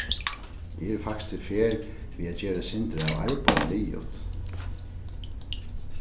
eg eri faktiskt í ferð við at gera eitt sindur av arbeiði liðugt